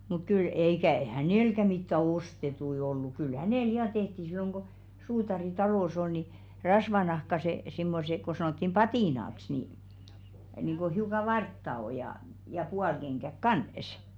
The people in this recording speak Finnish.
mutta kyllä eikä hänelläkään mitään ostettuja ollut kyllä hänelle ja tehtiin silloin kun suutari talossa oli niin rasvanahkaiset semmoiset kun sanottiin patinaksi niin niin kun hiukan vartta on ja ja puolikengäksi kanssa